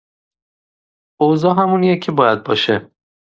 اوضاع همونیه که باید باشه.